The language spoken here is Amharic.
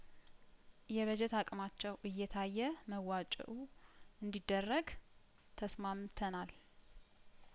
የበጀት አቅማቸው እየታየመዋጮው እንዲደረግ ተስማምተናል